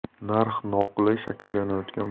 narx noqulay shakllanayotgan